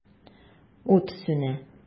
Ут сүнә.